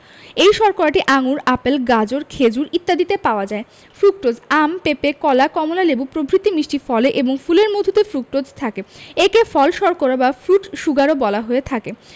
এই শর্করাটি আঙুর আপেল গাজর খেজুর ইত্যাদিতে পাওয়া যায় ফ্রুকটোজ আম পেপে কলা কমলালেবু প্রভৃতি মিষ্টি ফলে এবং ফুলের মধুতে ফ্রুকটোজ থাকে একে ফল শর্করা বা ফ্রুট শুগার বলা হয়ে থাকে